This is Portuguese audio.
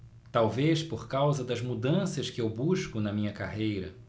talvez por causa das mudanças que eu busco na minha carreira